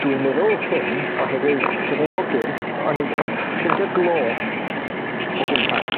Dwi'n meddwl hyn oherwydd pen oi'n hogyn, o'n i'n yy ffindio glo o gwmpas.